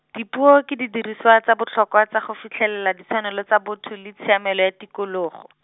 dipuo ke didiriswa tsa botlhokwa tsa go fitlhelela ditshwanelo tsa botho le tshiamelo ya tikologo.